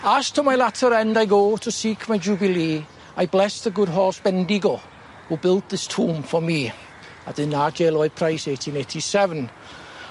As to my latter end I go to seek my jubilee I bless the good horse Bendigo who built this tomb for me. 'Dyn Are Jay Lloyd Price eighteen eighty seven.